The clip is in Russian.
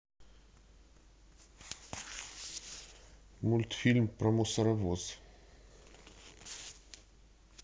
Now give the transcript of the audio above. мультфильм про мусоровоз